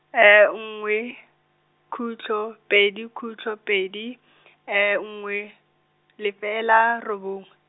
nngwe, khutlo, pedi khutlo pedi , nngwe, lefela, robongwe.